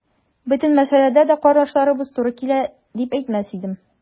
Бөтен мәсьәләдә дә карашларыбыз туры килә дип әйтмәс идем.